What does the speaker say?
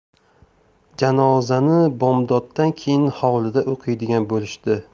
janozani bomdoddan keyin hovlida o'qiydigan bo'lishdi